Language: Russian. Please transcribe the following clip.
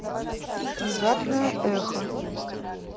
внезапное эхо